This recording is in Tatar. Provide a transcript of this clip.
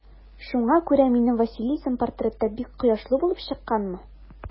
Шуңа күрә минем Василисам портретта бик кояшлы булып чыкканмы?